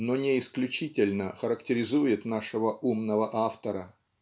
но не исключительно характеризует нашего умного автора.